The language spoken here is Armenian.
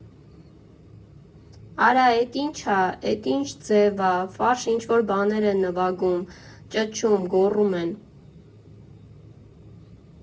Արա էդ ի՞նչ ա, էդ է՞նչ ձև ա՝ ֆարշ ինչ֊որ բաներ են նվագում, ճչում֊գոռում են։